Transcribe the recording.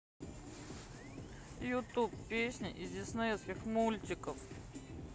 ютуб песни из диснеевских мультиков